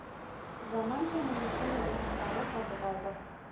Заманча медицина җиһазлары сатып алдык.